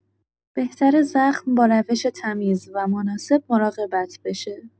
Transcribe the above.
بهتره زخم با روش تمیز و مناسب مراقبت بشه.